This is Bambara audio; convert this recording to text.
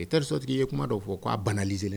I terikɛri sotigi ye kuma dɔw fɔ k' a ban liz